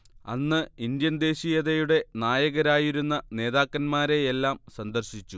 അന്ന് ഇൻഡ്യൻ ദേശീയതയുടെ നായകരായിരുന്ന നേതാക്കന്മാരെയെല്ലാം സന്ദർശിച്ചു